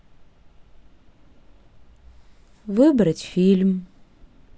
выбрать фильм